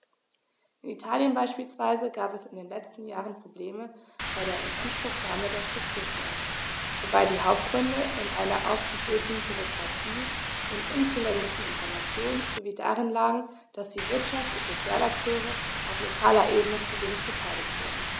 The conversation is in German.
In Italien beispielsweise gab es in den letzten Jahren Probleme bei der Inanspruchnahme der Strukturfonds, wobei die Hauptgründe in einer aufgeblähten Bürokratie, in unzulänglichen Informationen sowie darin lagen, dass die Wirtschafts- und Sozialakteure auf lokaler Ebene zu wenig beteiligt wurden.